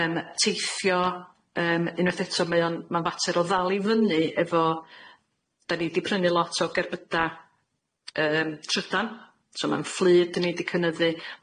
Yym teithio yym unwaith eto mae o'n ma'n fater o ddal i fyny efo' da ni di prynnu lot o gerbyda yym trydan so ma'n fflyd dyn ni di cynyddu,